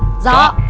rõ